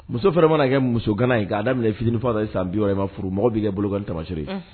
Muso fana mana kɛ musoganan ye k'a daminɛ minɛ fitinin fo ka taa se san60 ma i ma furu mɔgɔw b'i kɛ bolonkɔni taamaseere ye